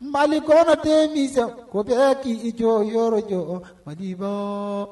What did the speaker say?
Mali kɔnɔ demisɛw ko bɛɛ k'i jɔ yɔrɔ jɔ Malibaa!